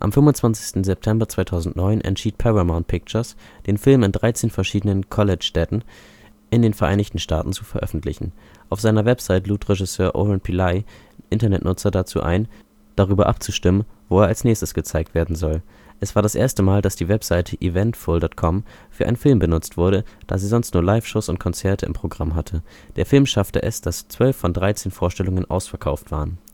25. September 2009 entschied Paramount Pictures den Film in dreizehn verschiedenen „ Collegestädten “in den Vereinigten Staaten zu veröffentlichen. Auf seiner Webseite lud Regisseur Oren Peli Internetnutzer dazu ein darüber abzustimmen, wo er als nächstes gezeigt werden soll. Es war das erste Mal, dass die Webseite eventful.com für einen Film benutzt wurde, da sie sonst nur Liveshows und Konzerte im Programm hatte. Der Film schaffte es, dass 12 von 13 Vorstellungen ausverkauft waren